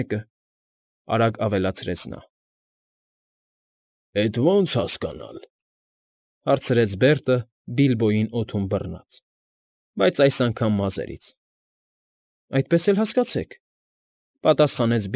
Մեկը, ֊ արագ ավելացրեց նա։ ֊ Էդ ո՞նց հասկանալ,֊ հարցրեց Բերտը՝ Բիլբոյին օդում բռնած, բայց այս անգամ մազերից։ ֊ Այդպես էլ հասկացեք,֊ պատասխանեց։